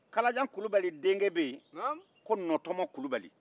kalajan kulubali denkɛ bɛ yen ko nɔtɔmɔ kulubali